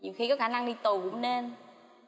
nhiều khi có khả năng đi tù cũng nên